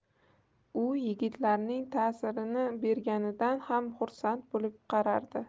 u yigitlarning ta'zirini berganidan ham xursand bo'lib qarardi